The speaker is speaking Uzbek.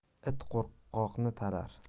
it qo'rqoqni talar